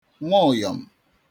nwa ụyọ̀m